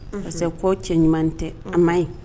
Parce que kɔ cɛ ɲuman tɛ an ma ye